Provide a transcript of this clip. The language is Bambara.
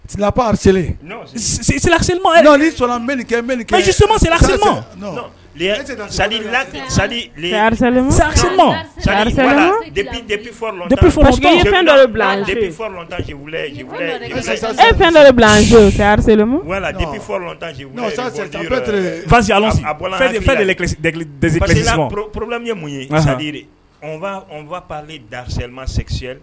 Laprissesima sari